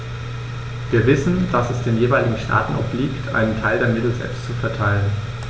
Wir wissen, dass es den jeweiligen Staaten obliegt, einen Teil der Mittel selbst zu verteilen.